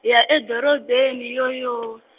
hi ya edorobeni yoo yoo.